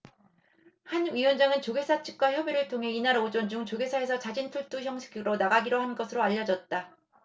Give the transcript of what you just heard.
한 위원장은 조계사 측과 협의를 통해 이날 오전 중 조계사에서 자진출두 형식으로 나가기로 한 것으로 알려졌다